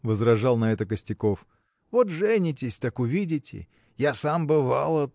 – возражал на это Костяков, – вот женитесь, так увидите. Я сам бывало